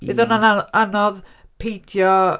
Fydd o'n an- anodd peidio.